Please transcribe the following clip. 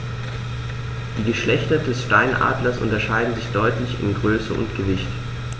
Die Geschlechter des Steinadlers unterscheiden sich deutlich in Größe und Gewicht.